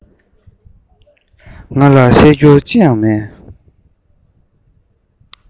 ང ལ བཤད རྒྱུ ཅི ཡང མེད